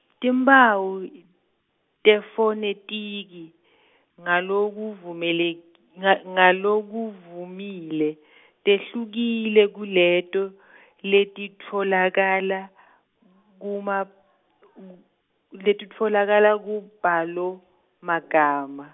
timphawu y-, tefonethiki, ngalokuvumele- nga ngalokuvamile, tehlukile kuleto , letitfolakala , kuma- letitfolakala, kumbhalomagama.